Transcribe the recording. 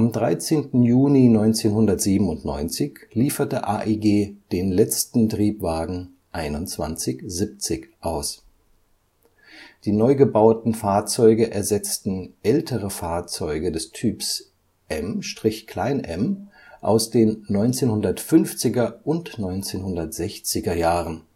13. Juni 1997 lieferte AEG den letzten Triebwagen 2170 aus. Die neu gebauten Fahrzeuge ersetzten ältere Fahrzeuge des Typs M/m aus den 1950er und 60er Jahren